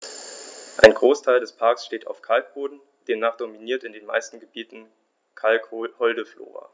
Ein Großteil des Parks steht auf Kalkboden, demnach dominiert in den meisten Gebieten kalkholde Flora.